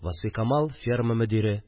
Васфикамал – ферма мөдире